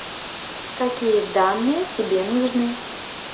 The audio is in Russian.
какие данные тебе нужны